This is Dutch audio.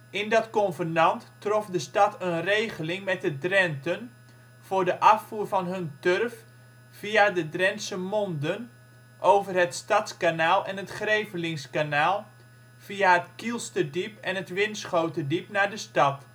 In dat convenant trof de stad een regeling met de Drenten voor de afvoer van hun turf via de Drentse Monden over het Stadskanaal en het Grevelingskanaal via het Kielsterdiep en het Winschoterdiep naar de stad